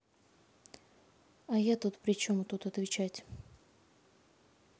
а я тут причем тут отвечать